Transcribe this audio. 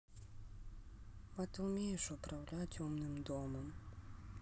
а ты умеешь управлять умным домом